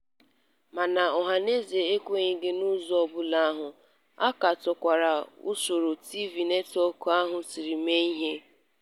Mana ọhanaeze ekwenyeghị n'ụzọ ọbụla ahụ, a katọkwara usoro TV netwọk ahụ siri mee ihe.